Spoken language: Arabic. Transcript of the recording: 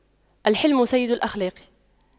الحِلْمُ سيد الأخلاق